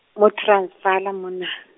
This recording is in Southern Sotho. mo Transvala mona.